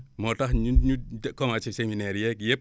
moo tax ñu ñu commencé séminaire yeeg yépp